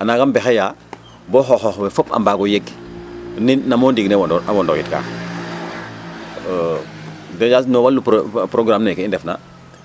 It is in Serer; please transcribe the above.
a nanga mbexeyaa bo xooxoox we fop a mbag o yeg nam mo ndiig ne wondoxidka déja no walum projet ne programme neke i ndefna